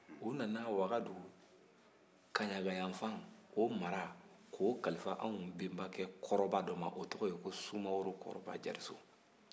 u nana wagadu kaɲagayanfan o mara k'o kalifa anw bɛnbakɛ kɔrɔba dɔ ma o tɔgɔ ye sumaworo kɔrɔba jariso